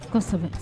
Kosɛbɛ